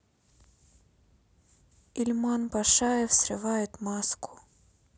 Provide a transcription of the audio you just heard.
ильман пашаев срывает маску